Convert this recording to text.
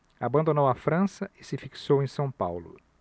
abandonou a frança e se fixou em são paulo